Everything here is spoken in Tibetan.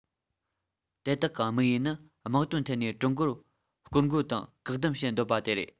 དེ དག གི དམིགས ཡུལ ནི དམག དོན ཐད ནས ཀྲུང གོར སྐོར རྒོལ དང བཀག སྡོམ བྱེད འདོད པ དེ རེད